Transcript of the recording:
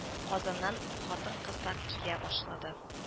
Казаннан хатын-кызлар килә башлады